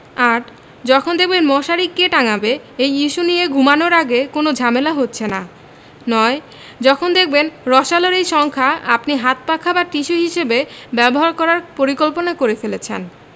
৮. যখন দেখবেন মশারি কে টাঙাবে এই ইস্যু নিয়ে ঘুমানোর আগে কোনো ঝামেলা হচ্ছে না ৯. যখন দেখবেন রস+আলোর এই সংখ্যা আপনি হাতপাখা বা টিস্যু হিসেবে ব্যবহার করার পরিকল্পনা করে ফেলেছেন